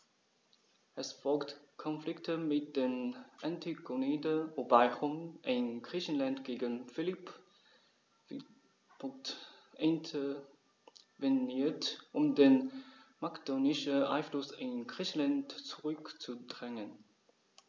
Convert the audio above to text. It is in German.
Es folgten Konflikte mit den Antigoniden, wobei Rom in Griechenland gegen Philipp V. intervenierte, um den makedonischen Einfluss in Griechenland zurückzudrängen.